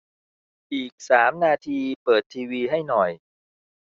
อีกสามนาทีเปิดทีวีให้หน่อย